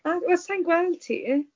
A, wel sa i'n gweld ti